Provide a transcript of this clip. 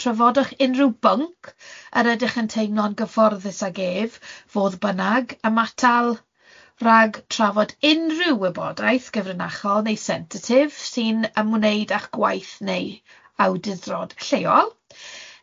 Trafodwch unrhyw bwnc yr ydych yn teimlo'n gyfforddus ag ef. Fodd bynnag, ymatal, rhag trafod unrhyw wybodaeth gyfrinachol neu sensitif sy'n ymwneud â'ch gwaith neu awdurdod lleol.